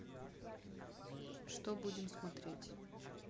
что будем смотреть